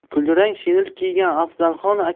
kulrang shinel kiygan afzalxon